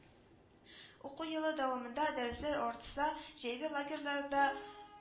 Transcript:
Уку елы дәвамында дәресләр арытса, җәйге лагерьларда